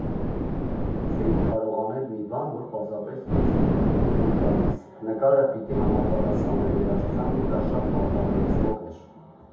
Չէի կարող անել մի բան, որ պարզապես ինձ է դուր գալիս, նկարը պիտի համապատասխաներ երաժշտությանն ու դա շատ պարտավորեցնող էր։